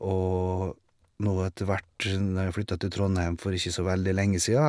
Og nå etter hvert når jeg flytta til Trondheim for ikke så veldig lenge sia...